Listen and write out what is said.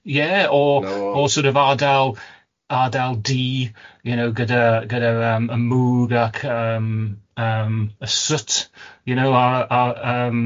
Ie o... 'na fo... o sor' of ardal ardal du, you know, gyda gyda'r yym y mwg ac yym yym y swt, you know, a a yym